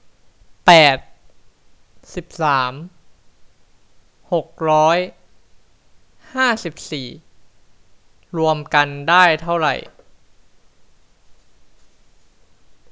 แปดสิบสามหกร้อยห้าสิบสี่รวมกันได้เท่าไหร่